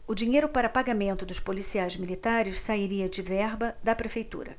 o dinheiro para pagamento dos policiais militares sairia de verba da prefeitura